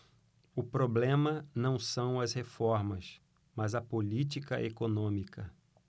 o problema não são as reformas mas a política econômica